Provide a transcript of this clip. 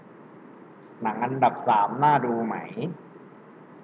หนังอันดับสามน่าดูไหม